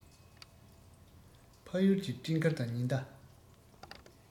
ཕ ཡུལ གྱི སྤྲིན དཀར དང ཉི ཟླ